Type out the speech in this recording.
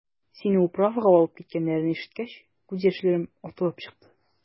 Сине «управа»га алып киткәннәрен ишеткәч, күз яшьләрем атылып чыкты.